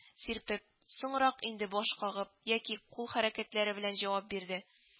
Сирпеп, соңрак инде баш кагып, яки кул хәрәкәтләре белән җавап бирде